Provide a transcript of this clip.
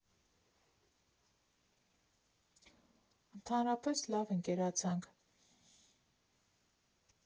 Ընդհանրապես, լավ ընկերացանք։